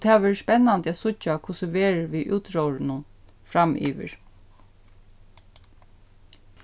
tað verður spennandi at síggja hvussu verður við útróðrinum framyvir